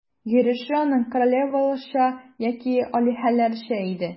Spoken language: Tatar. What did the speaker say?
Йөреше аның королеваларча яки алиһәләрчә иде.